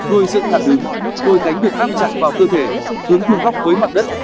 đôi cánh được áp chặt vào cơ thể hướng vuông góc với mặt đất